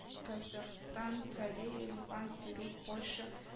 Казакъстан, Корея, Ливан, Перу, Польша